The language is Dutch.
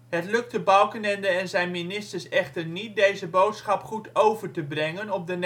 Het lukte Balkenende en zijn ministers echter niet om deze boodschap goed over te brengen op de Nederlanders